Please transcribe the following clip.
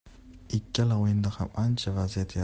ikkala o'yinda ham ancha vaziyat